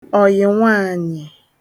ọ̀yị̀ nwaànyị̀